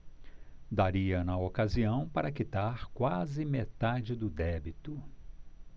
daria na ocasião para quitar quase metade do débito